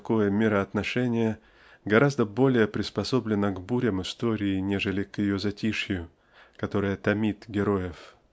такое мироотношение гораздо более приспособлено к бурям истории нежели к ее затишью которое томит героев.